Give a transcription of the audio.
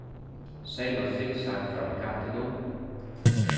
seyma sikksakk framvið kantinum